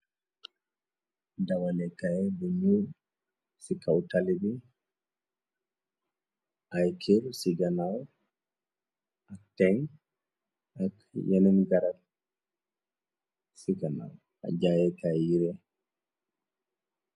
dawalekaay bi ñu ci kaw tali bi ay kir siganaaw ak teng ak yeneen garab si ganaaw ak jaayekaay yiree